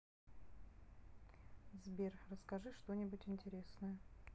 сбер расскажи что нибудь интересное